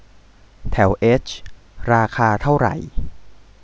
แถวเอชราคาเท่าไหร่